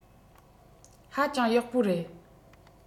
ཧ ཅང ཡག པོ རེད